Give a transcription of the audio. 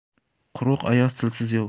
quruq ayoz tilsiz yov